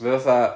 mae o fatha..,